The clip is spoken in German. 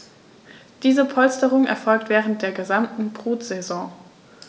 Diese Polsterung erfolgt während der gesamten Brutsaison.